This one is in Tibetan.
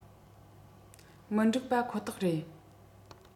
མི འགྲིག པ ཁོ ཐག རེད